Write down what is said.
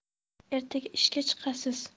ertaga ishga chiqasiz